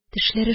Тешләре